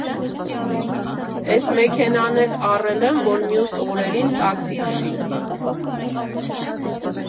Էս մեքենան էլ առել եմ, որ մյուս օրերին տաքսի քշի։